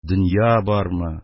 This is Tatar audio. Дөнья бармы